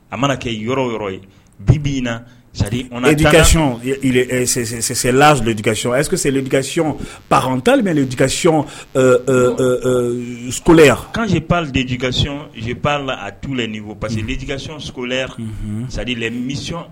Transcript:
A mana kɛ yɔrɔ yɔrɔ ye bi bɛ in na sakaladiigikacɔn ayise seli bikayɔn patalikaɔn solaya kse pa dejikaɔnela a tu la nin fɔ parce que deigikacɔnsolaya sa la misiyɔn